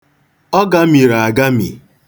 Ọ gamiri agami.